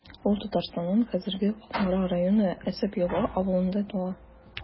Ул Татарстанның хәзерге Кукмара районы Әсән Елга авылында туа.